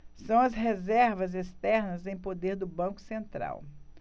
são as reservas externas em poder do banco central